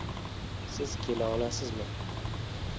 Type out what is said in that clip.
siz kelaolasizmi